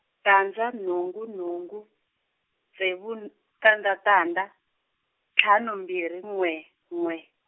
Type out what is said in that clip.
tandza nhungu nhungu, ntsevu n-, tandza tandza, ntlhanu mbirhi n'we n'we.